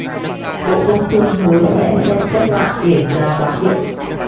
bộ công thương hứa sẽ xem xét lại biểu giá bán điện